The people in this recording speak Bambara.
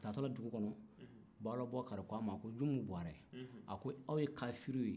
a taatɔla dugu kɔnɔ balobokary k'a ma junmu buwarɛ aw ye karifiw ye